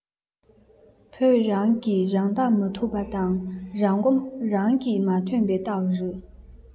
བོད རང གིས རང བདག མ ཐུབ པ དང རང མགོ རང གིས མ ཐོན པའི རྟགས རེད